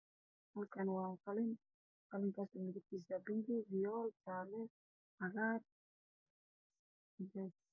Waa qalimaan farabadan oo saf ku jiraan waxaa ajaalo kartoon ay ku jiraan